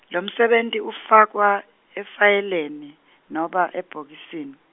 lomsebenti ufakwa efayeleni nobe ebhokisini?